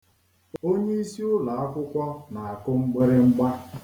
Onyeisi ụlọakwụkwọ na-akụ mgbarịmgba